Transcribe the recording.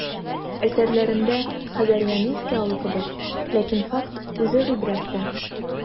Әсәрләрендә Хазарияне искә алу кебек, ләкин факт үзе гыйбрәтле.